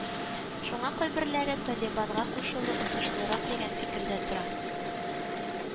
Шуңа кайберләре Талибанга кушылу отышлырак дигән фикердә тора